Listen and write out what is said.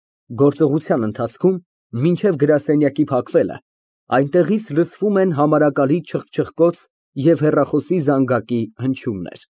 Գործողության ընթացքում, մինչև գրասենյակի փակվելը, այնտեղից լսվում են համարակալի չխչխկոց և հեռախոսի զանգակի հնչյուններ։